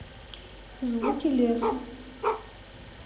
звуки леса